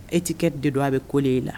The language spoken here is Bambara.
E tɛkɛ de don a bɛ ko e la